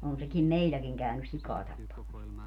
on sekin meilläkin käynyt sikaa tappamassa